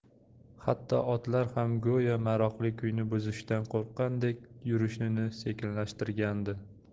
hatto otlar ham go'yo maroqli kuyni buzishdan qo'rqqandek yurishini sekinlashtirgandi